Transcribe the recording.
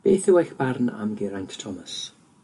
Beth yw eich barn am Geraint Thomas?